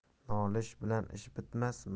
nolish bilan ish bitmas